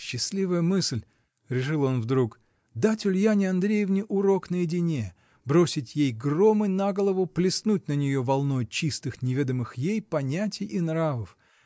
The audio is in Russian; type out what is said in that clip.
счастливая мысль, — решил он вдруг, — дать Ульяне Андреевне урок наедине: бросить ей громы на голову, плеснуть на нее волной чистых, неведомых ей понятий и нравов!